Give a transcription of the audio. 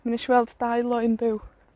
Mi nesh i weld dau loyn byw.